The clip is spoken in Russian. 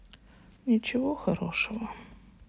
ничего хорошего